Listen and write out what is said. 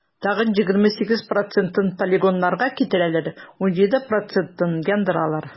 Тагын 28 процентын полигоннарга китерәләр, 17 процентын - яндыралар.